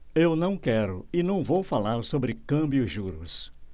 eu não quero e não vou falar sobre câmbio e juros